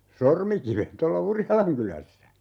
Sormikiven tuolla Urjalankylässä